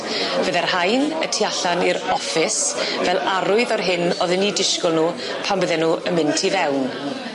Fydde'r rhain y tu allan i'r office fel arwydd o'r hyn o'dd yn 'u disgwl nw pan bydden nw yn mynd tu fewn.